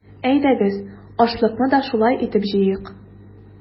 Әйдәгез, ашлыкны да шулай итеп җыйыйк!